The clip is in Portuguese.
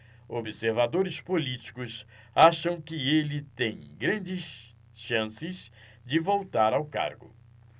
observadores políticos acham que ele tem grandes chances de voltar ao cargo